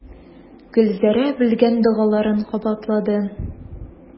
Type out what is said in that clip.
Гөлзәрә белгән догаларын кабатлады.